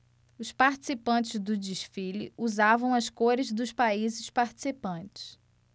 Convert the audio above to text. os participantes do desfile usavam as cores dos países participantes